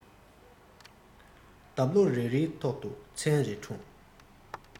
འདབ ལོ རེ རེའི ཐོག ཏུ མཚན རེ འཁྲུངས